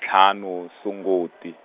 ntlhanu Sunguti.